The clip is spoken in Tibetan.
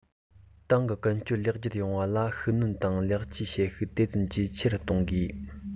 ཏང གི ཀུན སྤྱོད ལེགས འགྱུར ཡོང བ ལ ཤུགས སྣོན དང ལེགས བཅོས བྱེད ཤུགས དེ ཙམ གྱིས ཆེ རུ གཏོང དགོས